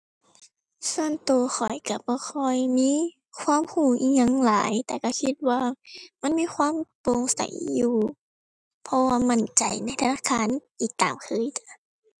ส่วนตัวข้อยตัวบ่ค่อยมีความตัวอิหยังหลาย แต่ตัวคิดว่ามันมีความโปร่งใสอยู่ เพราะว่ามั่นใจในธนาคารอีกตามเคยจ้ะ